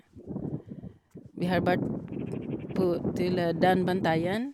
Vi har vært på til Daanbantayan.